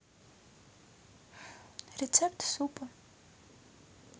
рецепт супа